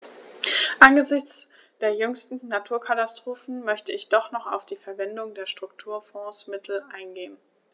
Angesichts der jüngsten Naturkatastrophen möchte ich doch noch auf die Verwendung der Strukturfondsmittel eingehen.